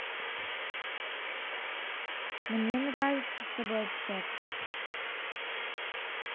мне нравится с тобой общаться